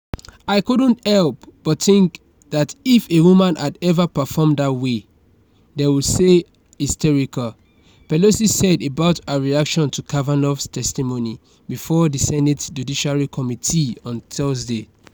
"I couldn't help but think that if a woman had ever performed that way, they would say 'hysterical,'" Pelosi said about her reaction to Kavanaugh's testimony before the Senate Judiciary Committee on Thursday.